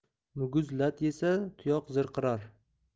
muguz lat yesa tuyoq zirqirar